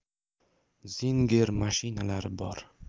zinger mashinalari bor